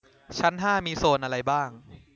ชั้นห้ามีโซนอะไรบ้าง